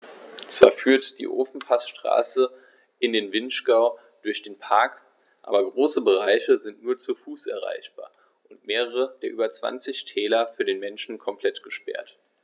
Zwar führt die Ofenpassstraße in den Vinschgau durch den Park, aber große Bereiche sind nur zu Fuß erreichbar und mehrere der über 20 Täler für den Menschen komplett gesperrt.